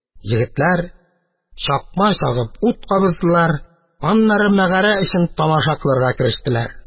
Егетләр чакма чагып ут кабыздылар, аннары мәгарә эчен тамаша кылырга керештеләр.